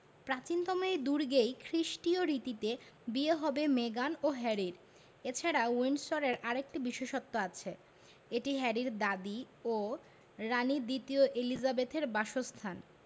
প্রাচীনতম এই দুর্গেই খ্রিষ্টীয় রীতিতে বিয়ে হবে মেগান ও হ্যারির এ ছাড়া উইন্ডসরের আরেকটি বিশেষত্ব আছে এটি হ্যারির দাদি ও রানি দ্বিতীয় এলিজাবেথের বাসস্থান